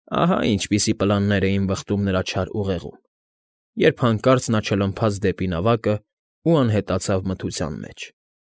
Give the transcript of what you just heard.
Ահա ինչպիսի պլաններ էին վխտում նրա չար ուղեղում, երբ հանկարծ նա ճլմփաց դեպի նավակն ու անհետացավ մթության մեջ։